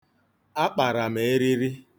Akpara m eriri.